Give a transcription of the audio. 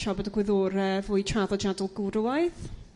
tar bod y gwyddore fwy traddodiadol gwrywaidd.